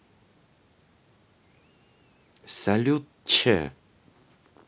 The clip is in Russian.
салют ч